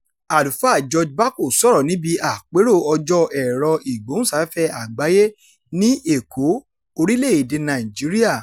Àlùfáà George Bako sọ̀rọ̀ níbi àpérò Ọjọ́ Ẹ̀rọ-ìgbóhùnsáfẹ́fẹ́ Àgbáyé ní Èkó, orílẹ̀-èdèe Nàìjíríà.